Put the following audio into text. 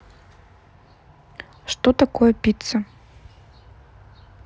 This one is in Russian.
что такое пицца